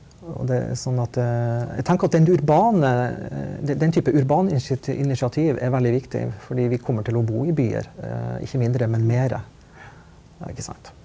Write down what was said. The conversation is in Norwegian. og det er sånn at jeg tenker at den urbane den den type urbaninitiativ er veldig viktig fordi vi kommer til å bo i byer ikke mindre men mere ja ikke sant.